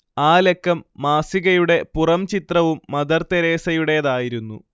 ആ ലക്കം മാസികയുടെ പുറംചിത്രവും മദർതെരേസയുടേതായിരുന്നു